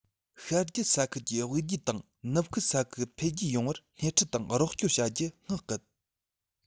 ཤར རྒྱུད ས ཁུལ གྱིས དབུས རྒྱུད དང ནུབ རྒྱུད ས ཁུལ འཕེལ རྒྱས ཡོང བར སྣེ ཁྲིད དང རོགས སྐྱོར བྱ རྒྱུར བསྔགས སྐུལ